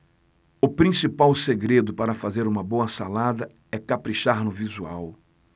o principal segredo para fazer uma boa salada é caprichar no visual